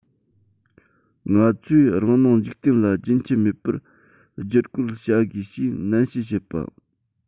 ང ཚོས རང སྣང འཇིག རྟེན ལ རྒྱུན ཆད མེད པར བསྒྱུར བཀོད བྱ དགོས ཞེས ནན བཤད བྱེད པ